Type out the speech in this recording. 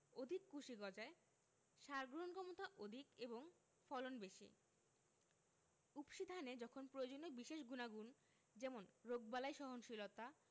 অধিক কুশি গজায় সার গ্রহণক্ষমতা অধিক এবং ফলন বেশি উফশী ধানে যখন প্রয়োজনীয় বিশেষ গুনাগুণ যেমন রোগবালাই সহনশীলতা